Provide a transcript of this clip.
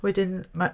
Wedyn, mae...